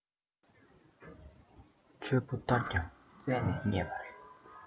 འཆོལ པོ སྟོར ཀྱང བཙལ ནས རྙེད པ རེད